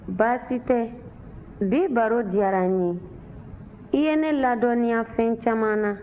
baasi tɛ bi baro diyara n ye i ye ne ladɔnniya fɛn caman na